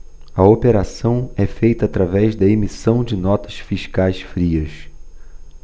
a operação é feita através da emissão de notas fiscais frias